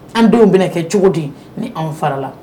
An denw bɛna kɛ cogo di? Ni anw farala.